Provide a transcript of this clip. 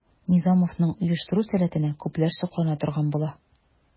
Низамовның оештыру сәләтенә күпләр соклана торган була.